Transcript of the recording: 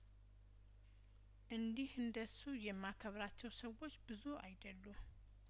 እንዲህ እንደሱ የማከብራቸው ሰዎች ብዙ አይደሉም